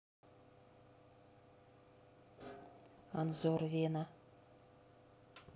анзор вена